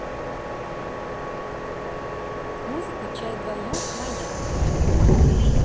музыка чай вдвоем моя